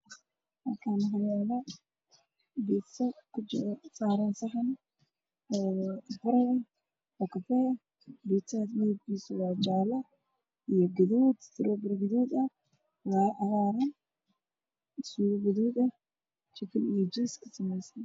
Waxaa ii muuqda pizza midabkiis yahay jahalo oo ku jira saxan waana pizza hoot